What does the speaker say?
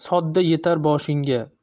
sodda yetar boshingga